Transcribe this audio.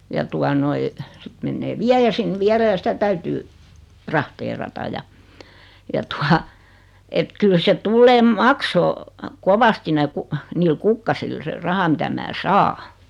ja tuota noin sitten menee viejä sinne vielä ja sitä täytyy trahteerata ja ja tuota että kyllä se tulee maksaa kovasti ne - niillä kukkasilla se raha mitä minä saan